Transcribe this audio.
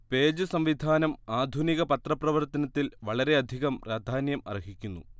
page സംവിധാനം ആധുനിക പത്രപ്രവർത്തനത്തിൽവളരെയധികം പ്രാധാന്യം അർഹിക്കുന്നു